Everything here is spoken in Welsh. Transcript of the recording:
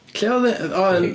Lle oedd y- o?